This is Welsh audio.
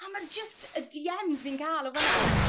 a ma'r jyst y Dee Ems fi'n ca'l o fan 'na like